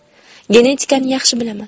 genetikani yaxshi bilaman